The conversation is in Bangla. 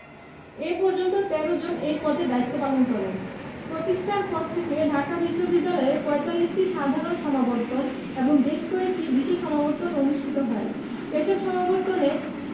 এ পর্যন্ত ১৩ জন এ পদে দায়িত্বপালন করেন প্রতিষ্ঠার পর থেকে ঢাকা বিশ্ববিদ্যালয়ে ৪৫টি সাধারণ সমাবর্তন এবং বেশ কয়েকটি বিশেষ সমাবর্তন অনুষ্ঠিত হয় এসব সমাবর্তনে